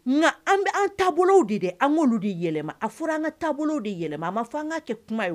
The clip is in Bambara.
Nka an bɛ an taabolo de an'olu de yɛlɛma a fɔra an ka taabolo de yɛlɛma a ma fɔ an ka kɛ kuma ye